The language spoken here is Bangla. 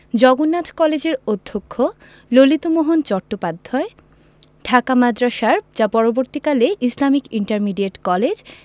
জগন্নাথ কলেজের অধ্যক্ষ ললিতমোহন চট্টোপাধ্যায় ঢাকা মাদ্রাসার যা পরবর্তীকালে ইসলামিক ইন্টারমিডিয়েট কলেজ